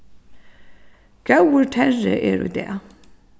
góður terri er í dag